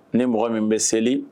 Ne mɔgɔ min bɛ seli